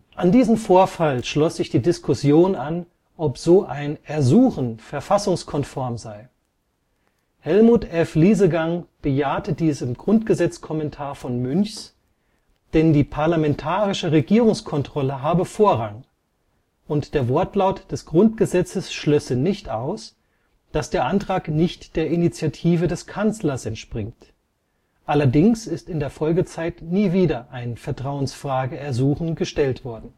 An diesen Vorfall schloss sich die Diskussion an, ob so ein „ Ersuchen “verfassungskonform sei. Helmuth F. Liesegang bejahte dies im Grundgesetzkommentar von Münchs, denn die parlamentarische Regierungskontrolle habe Vorrang, und der Wortlaut des Grundgesetzes schlösse nicht aus, dass der Antrag nicht der Initiative des Kanzlers entspringt. Allerdings ist in der Folgezeit nie wieder ein „ Vertrauensfrage-Ersuchen “gestellt worden